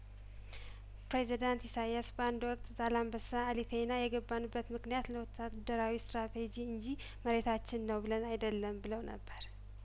ፕሬዚዳንት ኢሳያስ በአንድ ወቅት ዛላንበሳ አሊቴና የገባን በትምክንያት ለወታደራዊ ስትራ ሬጂ እንጂ መሬታችን ነው ብለን አይደለም ብለው ነበር